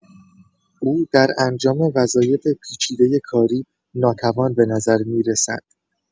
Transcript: او در انجام وظایف پیچیدۀ کاری ناتوان به نظر می‌رسد.